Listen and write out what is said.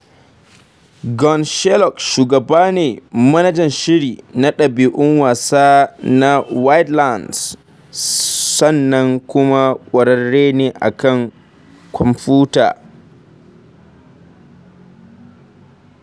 GunChleoc shugaba ne (manajan shiri) na dabarun wasa na Widelands sannan kuma ƙwararre ne a kan kwamfuta.